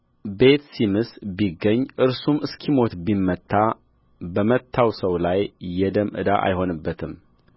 ቤት ሲምስ ቢገኝ እርሱም እስኪሞት ቢመታ በመታው ሰው ላይ የደም ዕዳ አይሆንበትም